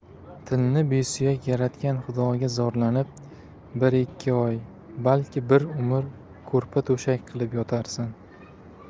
tilni besuyak yaratgan xudoga zorlanib bir ikki oy balki bir umr ko'rpa to'shak qilib yotarsan